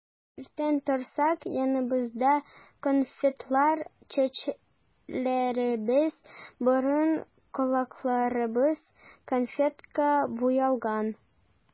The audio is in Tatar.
Иртән торсак, яныбызда конфетлар, чәчләребез, борын-колакларыбыз конфетка буялган.